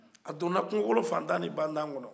a donna kungokolon fatan ni batan kɔnɔ